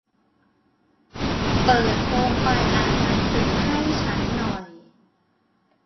เปิดโคมไฟอ่านหนังสือให้ฉันหน่อย